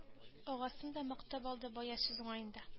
Агасын да мактап алды бая сүз уңаенда